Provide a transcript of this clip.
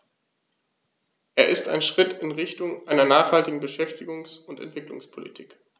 Er ist ein Schritt in Richtung einer nachhaltigen Beschäftigungs- und Entwicklungspolitik.